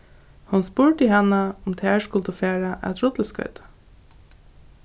hon spurdi hana um tær skuldu fara at rulliskoyta